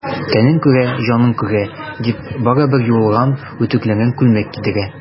Тәнең күрә, җаның күрә,— дип, барыбер юылган, үтүкләнгән күлмәк кидерә.